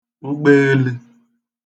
ụgbeelə̄